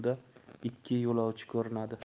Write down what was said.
ketgan yo'lda ikki yo'lovchi ko'rinadi